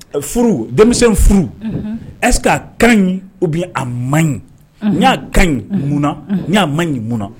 Furu denmisɛn furu ɛse k'a ka ɲi o bi a man ɲi n y'a ka ɲi mun n y'a man ɲi mun